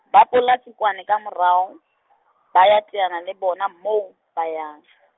ba pota Tsikwane ka morao , ba ya teana le bona moo, ba yang .